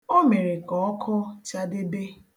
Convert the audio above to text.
O mere ka okụ chadebe.